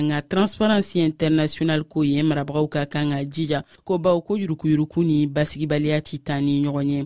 nka transparency international ko yen marabagaw ka kan ka jija ko bawo ko yuruguyurugu ni basigibaliya tɛ taa ni ɲɔgɔn ye